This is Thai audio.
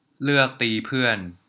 เลือกตีเพื่อน